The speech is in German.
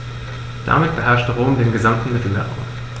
Damit beherrschte Rom den gesamten Mittelmeerraum.